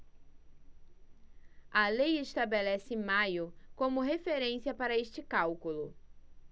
a lei estabelece maio como referência para este cálculo